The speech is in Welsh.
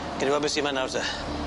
Gewn ni weld be' sy my' nawr te.